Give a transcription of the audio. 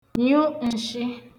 nyụ ǹshị